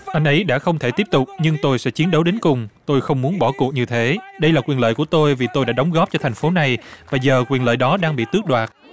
anh ấy đã không thể tiếp tục nhưng tôi sẽ chiến đấu đến cùng tôi không muốn bỏ cuộc như thể đây là quyền lợi của tôi vì tôi đã đóng góp cho thành phố này và giờ quyền lợi đó đang bị tước đoạt